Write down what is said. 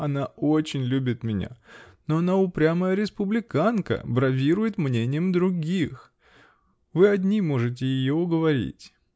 она очень любит меня, но она упрямая республиканка, бравирует мнением других. Вы одни можете ее уговорить!